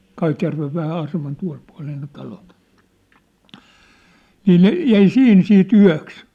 Kaitjärven vähän aseman tuolle puolen ne talot niin ne jäi siihen sitten yöksi